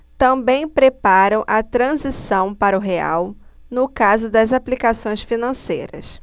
também preparam a transição para o real no caso das aplicações financeiras